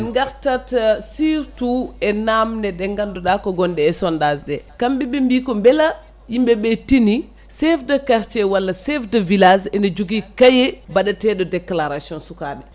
en gartat surtout e namde ɗe ganduɗa ko gonɗe e sondage ɗe kamɓe ɓe mbi ko beela yimɓeɓe tini chef de quartier walla chef de village ene jogui cahier baɗeteɗo déclaration sukaɓe